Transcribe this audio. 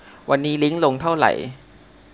วันนี้ลิ้งลงเท่าไหร่